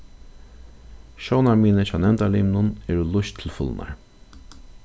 sjónarmiðini hjá nevndarlimunum eru lýst til fulnar